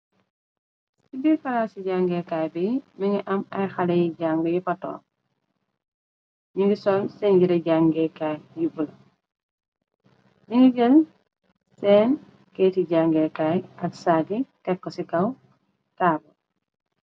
Ci biir palas ci jangeekaay bi mi ngi am ay xale yi jàng yi patom ñi ngi sol seen jire jangeekaay yu bël li ngi jël seen keeti jangeekaay ak saagi tekk ci kaw taaba.